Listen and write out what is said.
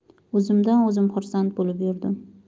o'zimdan o'zim xursand bo'lib yurdim